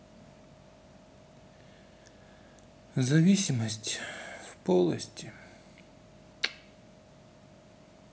зависимость в полости